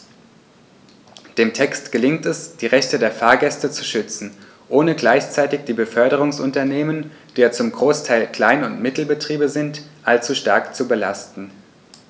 Dem Text gelingt es, die Rechte der Fahrgäste zu schützen, ohne gleichzeitig die Beförderungsunternehmen - die ja zum Großteil Klein- und Mittelbetriebe sind - allzu stark zu belasten.